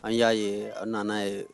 An y'a ye an nan'a ye